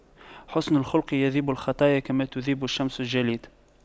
حُسْنُ الخلق يذيب الخطايا كما تذيب الشمس الجليد